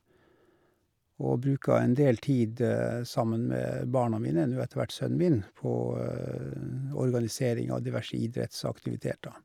Og bruker en del tid sammen med barna mine, nå etter hvert sønnen min, på organisering av diverse idrettsaktiviteter.